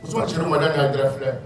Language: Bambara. Muso cɛ